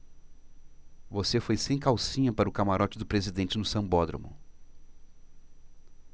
você foi sem calcinha para o camarote do presidente no sambódromo